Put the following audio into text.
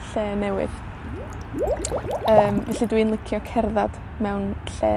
lle newydd. Yym felly dwi'n licio cerddad mewn lle